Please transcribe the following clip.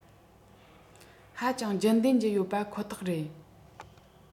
ཧ ཅང རྒྱུན ལྡན གྱི ཡོད པ ཁོ ཐག རེད